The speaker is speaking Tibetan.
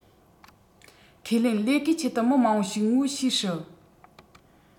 ཁས ལེན ལས ཀའི ཆེད དུ མི མང པོ ཞིག ངོ ཤེས སྲིད